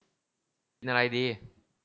กินอะไรดี